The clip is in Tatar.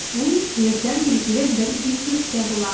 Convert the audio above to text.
Ул җирдән билгеле бер биеклектә була.